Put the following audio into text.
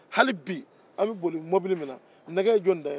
hali bi an bɛ boli mɔbili min na nɛgɛ ye jɔnni ta ye